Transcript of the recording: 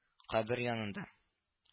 Кабер янында